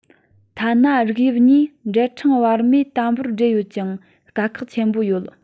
ཐ ན རིགས དབྱིབས གཉིས འབྲེལ ཕྲེང བར མས དམ པོར སྦྲེལ ཡོད ཀྱང དཀའ ཁག ཆེན པོ ཡོད